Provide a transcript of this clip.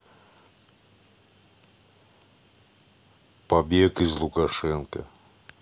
побег из лукашенко